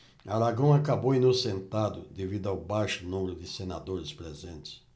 aragão acabou inocentado devido ao baixo número de senadores presentes